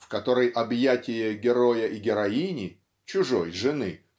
в которой об'ятия героя и героини чужой жены